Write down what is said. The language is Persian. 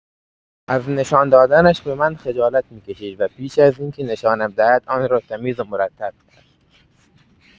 از نشان دادنش به من خجالت می‌کشید و پیش از اینکه نشانم دهد، آن را تمیز و مرتب کرد.